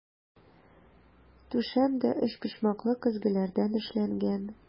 Түшәм дә өчпочмаклы көзгеләрдән эшләнгән.